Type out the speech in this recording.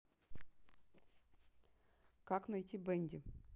как найти бенди